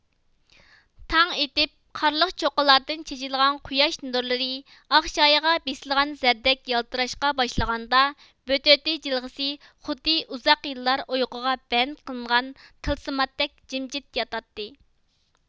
تاڭ ئېتىپ قارلىق چوققىلاردىن چېچىلغان قۇياش نۇرلىرى ئاق شايىغا بېسىلغان زەردەك يالتىراشقا باشلىغاندا بۆتۆتى جىلغىسى خۇددى ئۇزاق يىللار ئۇيقۇغا بەند قىلىنغان تىلسىماتتەك جىمجىت ياتاتتى